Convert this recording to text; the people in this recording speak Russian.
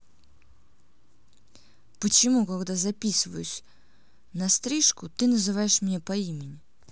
почему когда записываюсь на стрижку ты называешь меня по имени